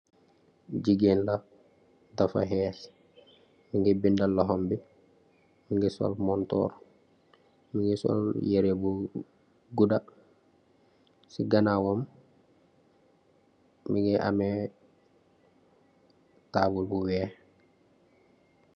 Jigain la, dafa hees, mungi binda lohombi, mungi sol montoor, mungi sol yireh bu guda, si ganaawam mungi ame table bu weeh.